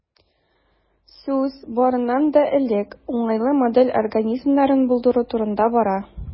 Сүз, барыннан да элек, уңайлы модель организмнарын булдыру турында бара.